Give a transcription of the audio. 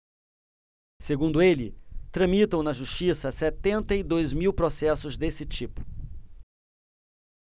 segundo ele tramitam na justiça setenta e dois mil processos desse tipo